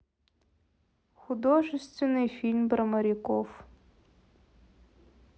художественный фильм про моряков